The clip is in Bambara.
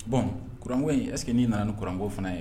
Bɔn kurankɔ in ɛseke n'i nana nin kuranko fana ye